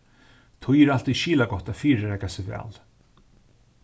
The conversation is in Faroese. tí er altíð skilagott at fyrireika seg væl